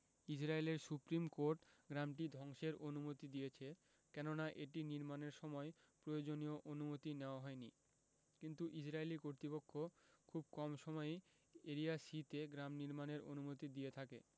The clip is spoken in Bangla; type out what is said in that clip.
ইসরাইলের সুপ্রিম কোর্ট গ্রামটি ধ্বংসের অনুমতি দিয়েছে কেননা এটি নির্মাণের সময় প্রয়োজনীয় অনুমতি নেওয়া হয়নি কিন্তু ইসরাইলি কর্তৃপক্ষ খুব কম সময়ই এরিয়া সি তে গ্রাম নির্মাণের অনুমতি দিয়ে থাকে